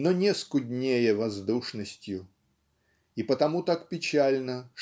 но не скуднее воздушностью. И потому так печально